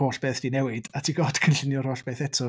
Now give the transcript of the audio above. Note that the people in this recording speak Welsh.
Holl beth 'di newid, a ti'n gorfod cynllunio'r holl beth eto.